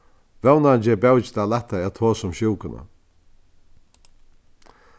vónandi ger bókin tað lættari at tosa um sjúkuna